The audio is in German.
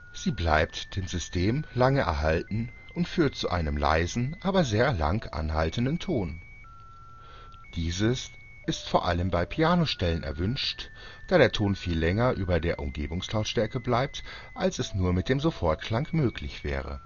Sie bleibt dem System lange erhalten und führt zu einem leisen, aber sehr lang anhaltenden Ton. Dieses ist vor allem bei Pianostellen erwünscht, da der Ton viel länger über der Umgebungslautstärke bleibt, als es nur mit dem Sofortklang möglich wäre